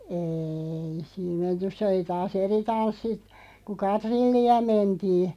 ei siinä menty se oli taas eri tanssi kun katrillia mentiin